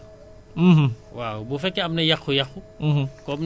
loolu yépp bu la neexee nga dolli ci tuuti encore ñu assurer waat ko